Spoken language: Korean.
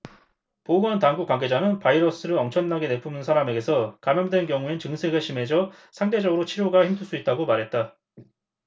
보건당국 관계자는 바이러스를 엄청나게 내뿜는 사람에게서 감염된 경우엔 증세가 심해져 상대적으로 치료가 힘들 수 있다고 말했다